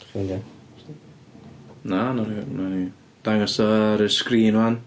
Ydach chi'n meindio?... Na, wnawn ni wnawn ni dangos o ar y sgrin 'wan.